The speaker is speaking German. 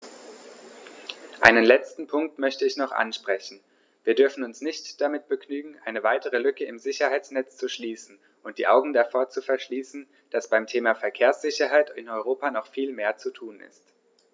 Einen letzten Punkt möchte ich noch ansprechen: Wir dürfen uns nicht damit begnügen, eine weitere Lücke im Sicherheitsnetz zu schließen und die Augen davor zu verschließen, dass beim Thema Verkehrssicherheit in Europa noch viel mehr zu tun ist.